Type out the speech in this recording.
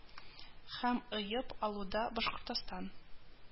Һәм ыеп алуда башкортстан